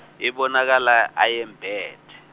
ibonakala ayembethe.